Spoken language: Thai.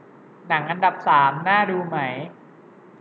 หนังอันดับสามน่าดูไหม